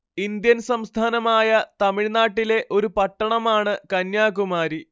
Indian സംസ്ഥാനമായ തമിഴ്നാട്ടിലെ ഒരു പട്ടണമാണ് കന്യാകുമാരി